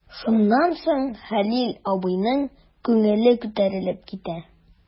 Шуннан соң Хәлил абыйның күңеле күтәрелеп китә.